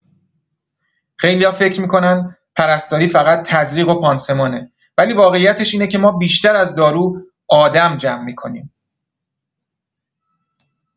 خیلیا فکر می‌کنن پرستاری فقط تزریق و پانسمانه، ولی واقعیتش اینه که ما بیشتر از دارو، آدم جمع می‌کنیم.